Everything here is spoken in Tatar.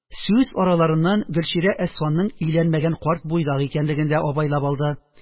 Сүз араларыннан Гөлчирә Әсфанның өйләнмәгән карт буйдак икәнлеген дә абайлап алды